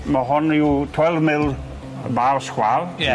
Ma' hon yw twelve mil bar sgwâr. Ie.